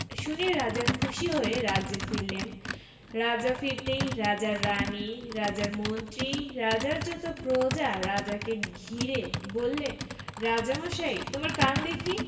শুনে রাজা খুশি হয়ে রাজ্যে ফিরলেন রাজা ফিরে আসতেই রাজার রানী রাজার মন্ত্রী রাজার যত প্রজা রাজাকে ঘিরে বললে রাজামশাই তোমার কান দেখি